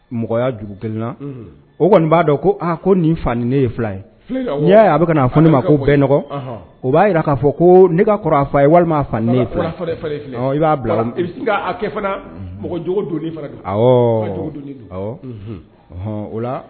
Mɔgɔ juguna o kɔni b'a dɔn ko aa ko nin fa ni ne ye fila ye n'i y'a a bɛ fɔ ne ma ko bɛ n nɔgɔ o b'a jira k'a fɔ ko ne ka k fa ye walima fa b'a